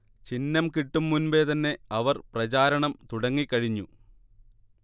ചിഹ്നം കിട്ടും മുൻപേ തന്നെ അവർ പ്രചാരണം തുടങ്ങിക്കഴിഞ്ഞു